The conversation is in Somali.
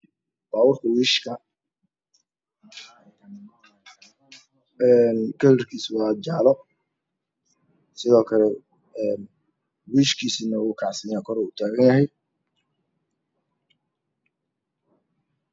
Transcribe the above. Baborka wiishaka kalarkisi waa jale weshikis koro oo utagan yahya